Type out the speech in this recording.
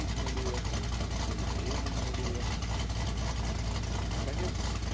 нужно ли это и своевременно ли это. Наконец